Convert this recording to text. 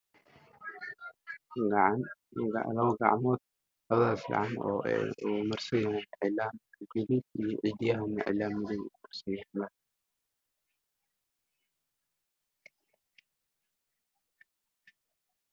Meeshaan waxa ay muuqda laba gacan oo cillaan u marsan yahay cilaanka midabkiisu waa guduud waana gacan dumar